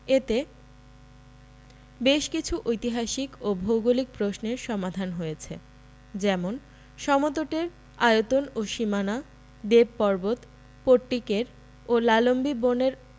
এতে বেশ কিছু ঐতিহাসিক ও ভৌগোলিক প্রশ্নের সমাধান হয়েছে যেমন সমতটের আয়তন ও সীমানা দেবপর্বত পট্টিকের ও লালম্বি বন এর